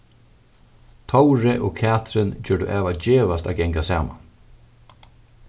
tóri og katrin gjørdu av at gevast at ganga saman